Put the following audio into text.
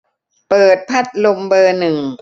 เปิดพัดลมเบอร์หนึ่ง